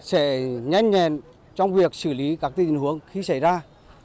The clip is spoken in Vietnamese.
sẽ nhanh nhẹn trong việc xử lý các tình huống khi xảy ra